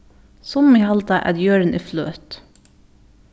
summi halda at jørðin er fløt